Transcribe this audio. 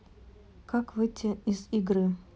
как выйти из этой игры